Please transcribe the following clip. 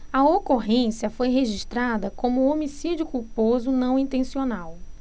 a ocorrência foi registrada como homicídio culposo não intencional